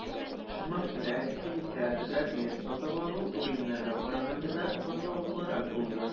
Шуңа күрә телетеатрга билет сатып алу, Уеннарга караганда да катлаулырак булды.